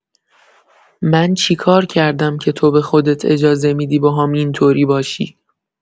من چیکار کردم که تو به خودت اجازه می‌دی باهام اینطوری باشی؟